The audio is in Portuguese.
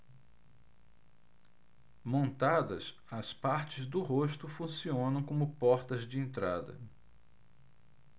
montadas as partes do rosto funcionam como portas de entrada